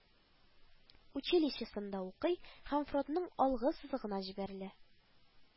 Училищесында укый һәм фронтның алгы сызыгына җибәрелә